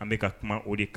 An bɛka ka kuma o de kan